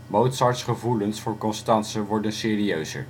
Mozarts gevoelens voor Constanze worden serieuzer